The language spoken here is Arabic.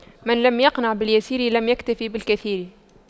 من لم يقنع باليسير لم يكتف بالكثير